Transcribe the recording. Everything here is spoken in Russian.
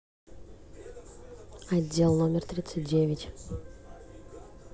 отдел номер тридцать девять